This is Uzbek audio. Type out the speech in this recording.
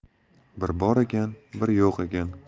bir bor ekan bir yo'q ekan